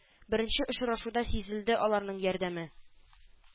Беренче очрашуда сизелде аларның ярдәме